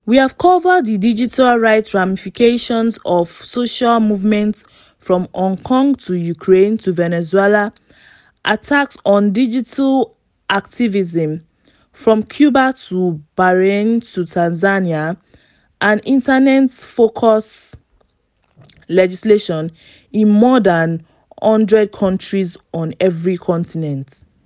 We have covered the digital rights ramifications of social movements from Hong Kong to Ukraine to Venezuela, attacks on digital activism from Cuba to Bahrain to Tanzania, and internet-focused legislation in more than 100 countries on every continent.